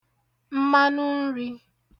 mmanụ nrī